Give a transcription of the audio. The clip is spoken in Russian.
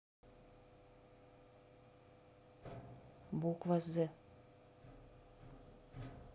буква з